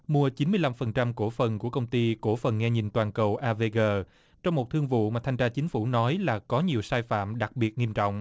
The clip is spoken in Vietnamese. mua chín mươi lăm phần trăm cổ phần của công ty cổ phần nghe nhìn toàn cầu a vê gờ trong một thương vụ mà thanh tra chính phủ nói là có nhiều sai phạm đặc biệt nghiêm trọng